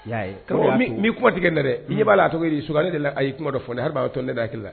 I y'a ye i ɲɛ b'a la a tɔgɔ ye di Sounkare deli la a ye kuma dɔ fɔ hali bi a bɛ to ne hakili la